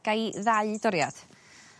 gai ddau doriad